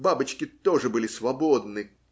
Бабочки тоже были свободны.